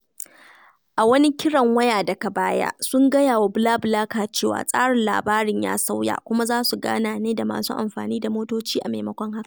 A wani kiran waya daga baya, sun gaya wa BlaBlaCar cewa tsarin labarin ya sauya kuma za su gana ne da masu amfani da motoci a maimakon haka.